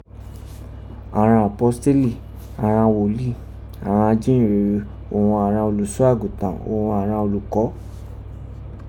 àghan apositeli, àghan woli, àghan ajinrere òghun àghan oluso agutan òghun àghan oluko.